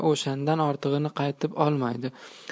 o'shandan ortig'ini qaytib olmaydi